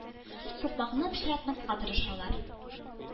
Сукмакны пычратмаска тырышалар.